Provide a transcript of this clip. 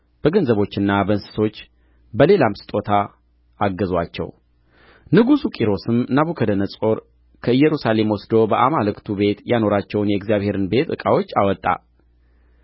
በገንዘቦችና በእንስሶች በሌላም ስጦታ አገዙአቸው ንጉሡ ቂሮስም ናቡከደነፆር ከኢየሩሳሌም ወስዶ በአማልክቱ ቤት ያኖራቸውን የእግዚአብሔርን ቤት ዕቃዎች አወጣ